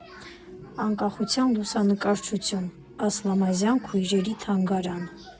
ԱՆԿԱԽՈՒԹՅԱՆ ԼՈՒՍԱՆԿԱՐՉՈՒԹՅՈՒՆ Ասլամազյան քույրերի թանգարան։